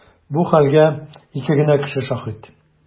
Бу хәлгә ике генә кеше шаһит.